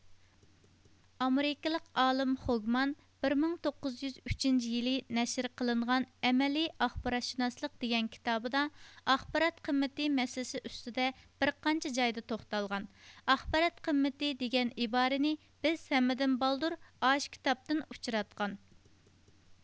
ئامېرىكىلىق ئالىم خۇگمان بىرمىڭ توققۇز يۈز ئۈچىنچى يىلى نەشر قىلىنغان ئەمەلىي ئاخباراتشۇناسلىق دېگەن كىتابىدا ئاخبارات قىممىتى مەسىلىسى ئۈستىدە بىر قانچە جايدا توختالغان ئاخبارات قىممىتى دېگەن ئىبارىنى بىز ھەممىدىن بالدۇر ئاشۇ كىتابتىن ئۇچراتقان